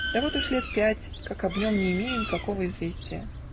да вот уж лет пять, как об нем не имею никакого известия.